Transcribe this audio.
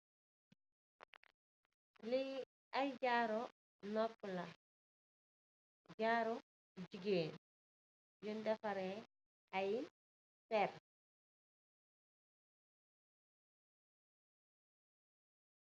Lii ay jaaru noopu la, jaaru jigéen. Jaaru yuñg defaree, per.